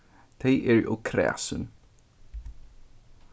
tey eru ov kræsin